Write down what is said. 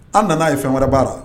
An nana ye fɛn wɛrɛ ba la